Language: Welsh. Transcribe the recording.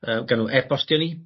yy gawn n'w e-bostio ni.